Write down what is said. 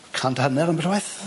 Cant a hanner ambell waith.